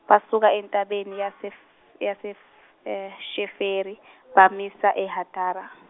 basuka entabeni yasef- yasef- Sheferi bamisa eHatara.